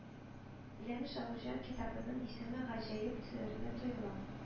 Лена Шагыйрьҗан китабының исеме гаҗәеп серле тоела: